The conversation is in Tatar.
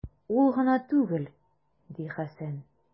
Ул гына түгел, - ди Хәсән.